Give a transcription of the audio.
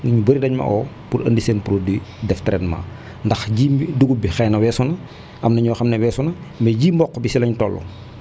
nit ñu bëri da ñu wa oo pour ëndi seen produit def traitement ndax ji dugub bi xëy na weesu na am na ñoo xam ne weesu na mais ji mboq bi si lañ toll